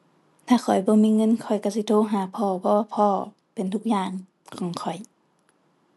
ถ้าข้อยบ่มีเงินข้อยก็สิโทรหาพ่อ เพราะว่าพ่อเป็นทุกอย่างของข้อย